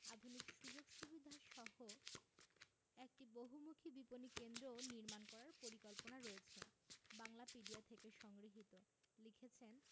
আধুনিক সুযোগ সুবিধাসহ একটি বহুমুখী বিপণি কেন্দ্রও নির্মাণ করার পরিকল্পনা রয়েছে বাংলাপিডিয়া থেকে সংগৃহীত লিখেছেনঃ